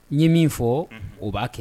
Ye min fɔ o b'a kɛ